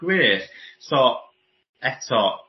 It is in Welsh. Gwych. So eto